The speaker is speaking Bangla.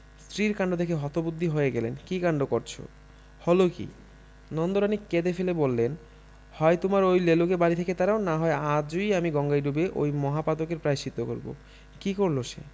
স্ত্রীর কাণ্ড দেখে হতবুদ্ধি হয়ে গেলেন কি কাণ্ড করচ হলো কি নন্দরানী কেঁদে ফেলে বললেন হয় তোমার ঐ লেলোকে বাড়ি থেকে তাড়াও না হয় আজই আমি গঙ্গায় ডুবে এ মহাপাতকের প্রায়শ্চিত্ত করব কি করলে সে